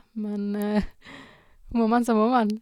Men må man så må man.